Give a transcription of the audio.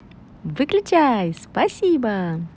выключай спасибо